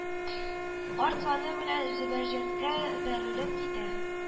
Арт саны белән зөбәрҗәткә бәрелеп китә